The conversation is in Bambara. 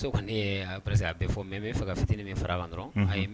Kɔni aa bɛ fɔ mɛ n bɛ fɛ ka fitiniinin min fara la dɔrɔn